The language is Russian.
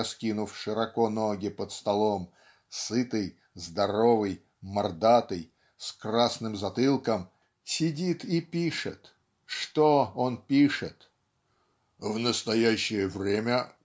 раскинув широко ноги под столом сытый здоровый мордатый с красным затылком" сидит и пишет что он пишет! "Въ настоящее время